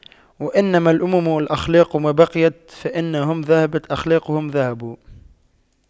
وإنما الأمم الأخلاق ما بقيت فإن هم ذهبت أخلاقهم ذهبوا